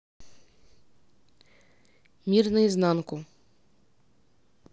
мир на изнанку